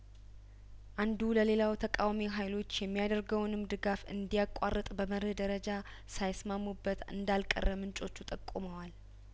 አንዱ ለሌላው ተቃዋሚ ሀይሎች የሚያደርገውንም ድጋፍ እንዲ ያቋርጥ በመርህ ደረጃ ሳይስማሙበት እንዳልቀረ ምንጮቹ ጠቁመዋል